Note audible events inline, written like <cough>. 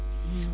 <hesitation> <hesitation>